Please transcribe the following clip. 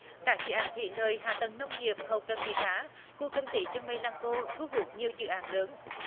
các dự án thủy lợi hạ tầng nông nghiệp hậu cần nghề cá khu kinh tế chân mây lăng cô thu hút nhiều dự án lớn